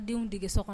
Denw dege so kɔnɔ